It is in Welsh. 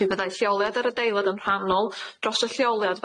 Mi fyddai lleoliad yr adeilad yn rhannol dros y lleoliad